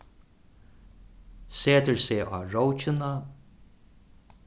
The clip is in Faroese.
setir seg á rókina